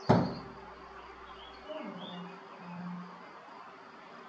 сделай громче в два раза